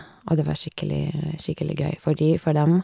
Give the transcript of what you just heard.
Og det var skikkelig skikkelig gøy for de for dem.